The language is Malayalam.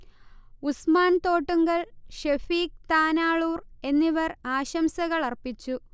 ഉസ്മാൻ തോട്ടുങ്ങൽ, ഷഫീഖ് താനാളൂർ എന്നിവർ ആശംസകൾ അർപ്പിച്ചു